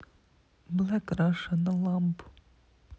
блэк раша на ламбу